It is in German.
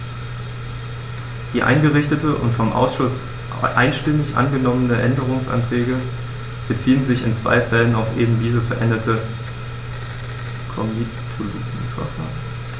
Die eingereichten und vom Ausschuss einstimmig angenommenen Änderungsanträge beziehen sich in zwei Fällen auf eben dieses veränderte Komitologieverfahren.